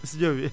studio bi